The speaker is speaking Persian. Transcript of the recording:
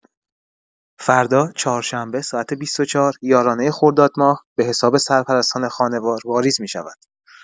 فردا چهارشنبه ساعت ۲۴، یارانه خردادماه به‌حساب سرپرستان خانوار واریز می‌شود.